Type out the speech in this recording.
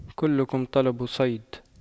كلكم طلب صيد